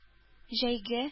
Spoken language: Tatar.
Җәйге